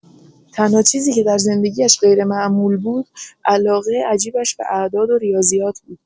تنها چیزی که در زندگی‌اش غیرمعمول بود، علاقه عجیبش به اعداد و ریاضیات بود.